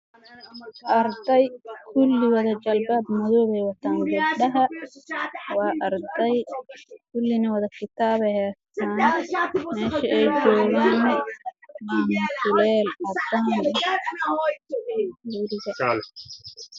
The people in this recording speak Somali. Waa arday kursigood gabdho ah waxayna wataan xijaabo madow ah waxay gacanta ku hayaan bugaagga qaramaan waxbay baranayaan